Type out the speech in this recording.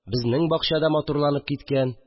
Безнең бакча да матурланып киткән